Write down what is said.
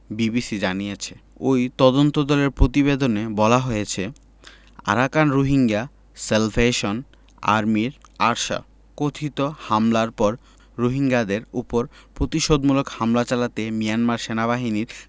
BBC জানিয়েছে ওই তদন্তদলের প্রতিবেদনে বলা হয়েছে আরাকান রোহিঙ্গা স্যালভেশন আর্মির আরসা কথিত হামলার পর রোহিঙ্গাদের ওপর প্রতিশোধমূলক হামলা চালাতে মিয়ানমার সেনাবাহিনীর